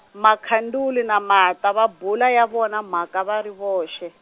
Makhanduli na Martha va bula ya vona mhaka va ri voxe.